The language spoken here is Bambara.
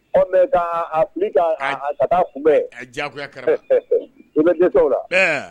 Ɔ mais ka fili ka taa a kun bɛ ka jagoya karaba u bɛ dɛsɛ o la.